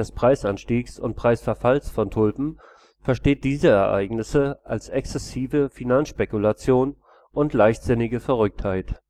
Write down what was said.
Preisanstiegs und Preisverfalls von Tulpen versteht diese Ereignisse als exzessive Finanzspekulation und leichtsinnige Verrücktheit